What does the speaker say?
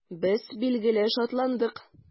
Без, билгеле, шатландык.